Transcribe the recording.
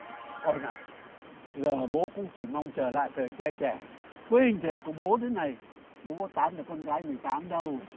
con à giờ bố cũng chỉ mong trở lại thời trai trẻ với hình thể của bố thế này bố có tán được con gái mười tám đâu